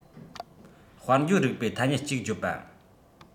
དཔལ འབྱོར རིག པའི ཐ སྙད ཅིག བརྗོད པ